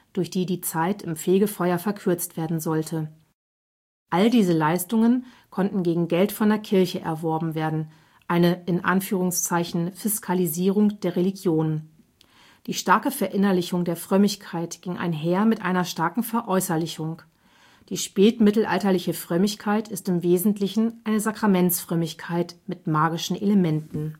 durch die die Zeit im Fegefeuer verkürzt werden sollte. All diese Leistungen konnten gegen Geld von der Kirche erworben werden – eine „ Fiskalisierung “der Religion. Die starke Verinnerlichung der Frömmigkeit ging einher mit einer starken Veräußerlichung. Die spätmittelalterliche Frömmigkeit ist im Wesentlichen eine Sakramentsfrömmigkeit mit magischen Elementen